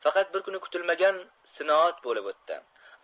faqat bir kuni kutilmagan sinoat bo'lib o'tdi